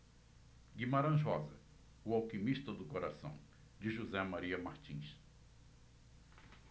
guimarães rosa o alquimista do coração de josé maria martins